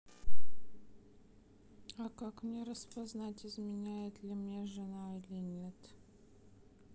а как мне распознать изменяет ли мне жена или нет